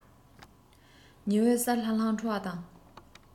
ཉི འོད གསལ ལྷང ལྷང འཕྲོ བ དང